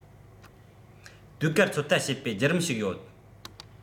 ཟློས གར ཚོད ལྟ བྱེད པའི བརྒྱུད རིམ ཞིག ཡོད